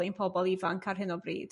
ein pobl ifanc ar hyn o bryd?